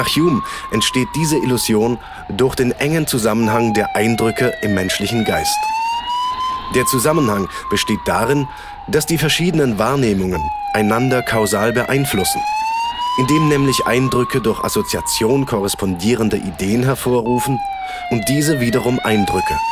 Hume entsteht diese Illusion durch den engen Zusammenhang der Eindrücke im menschlichen Geist. Der Zusammenhang besteht darin, dass die verschiedenen Wahrnehmungen einander kausal beeinflussen, indem nämlich Eindrücke durch Assoziation korrespondierende Ideen hervorrufen und diese wiederum Eindrücke